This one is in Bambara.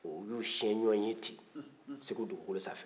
u y'u siyɛn i ɲɔgɔn ye ten segudugukolo sanfɛ